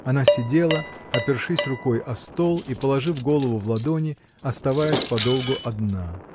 Она сидела, опершись рукой о стол и положив голову в ладони, оставаясь подолгу одна.